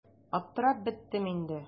Аптырап беттем инде.